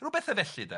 R'w betha felly 'de.